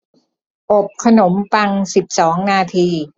อบขนมปังสิบสองนาที